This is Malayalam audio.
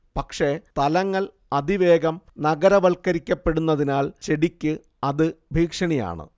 പക്ഷേ സ്ഥലങ്ങൾ അതിവേഗം നഗരവൽക്കരിക്കപ്പെടുന്നതിനാൽ ചെടിക്ക് അത് ഭീഷണിയാണ്